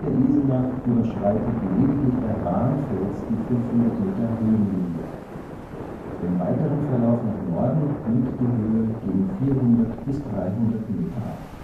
Isenach überschreitet lediglich der Rahnfels (516,5 m) die 500-m-Höhenlinie. Im weiteren Verlauf nach Norden nimmt die Höhe gegen 400 bis 300 m ab